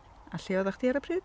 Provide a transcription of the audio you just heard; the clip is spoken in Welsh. A lle oeddach chdi ar y pryd?